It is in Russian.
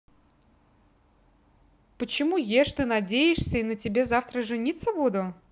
почему ешь ты надеешься и на тебе завтра жениться буду